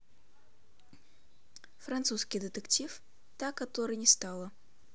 французский детектив та которой не стало